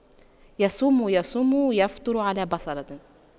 يصوم يصوم ويفطر على بصلة